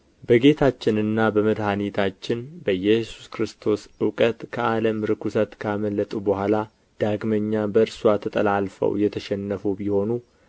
በጌታችንና በመድኃኒታችን በኢየሱስ ክርስቶስ እውቀት ከዓለም ርኵሰት ካመለጡ በኋላ ዳግመኛ በእርስዋ ተጠላልፈው የተሸነፉ ቢሆኑ